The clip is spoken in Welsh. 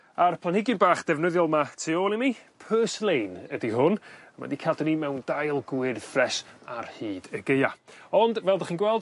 A'r planhigyn bach defnyddiol 'ma tu ôl i mi purslane ydi hwn ma' 'di cadw ni mewn dail gwyrdd ffres ar hyd y Gaea. Ond fel 'dych chi'n gweld